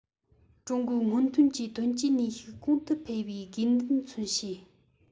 ཀྲུང གོའི སྔོན ཐོན གྱི ཐོན སྐྱེད ནུས ཤུགས གོང དུ འཕེལ བའི དགོས འདུན མཚོན བྱེད